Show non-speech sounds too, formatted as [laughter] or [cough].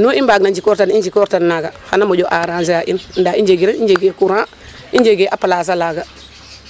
nu i mbaagna njikoortan i njikoortan naaga xaya moƴa enranger a in ndaa i njegee [applause] courant [applause] i njegee a place a laaga.